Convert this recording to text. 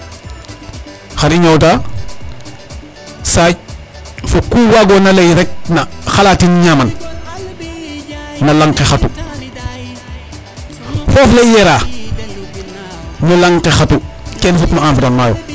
Xar i ñoowtaa saaƈ fo ku waagoona lay rek xalaatin ñaaman na lanq ke xatu ,foof le i yeraa no lanq ke xatu, kon fop na environnent yo.